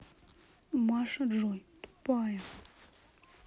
маша джой тупая